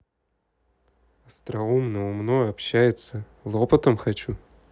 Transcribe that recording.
остроумно умно общается лопотом хочу